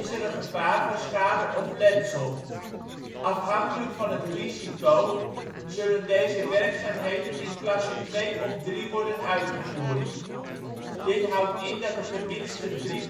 een gevaar van schade of letsel. Afhankelijk van het risico zullen deze werkzaamheden in klasse 2 of 3 worden uitgevoerd. Dit houdt in dat er tenminste drie positiereferentiesystemen